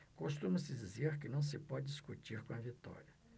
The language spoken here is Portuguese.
costuma-se dizer que não se pode discutir com a vitória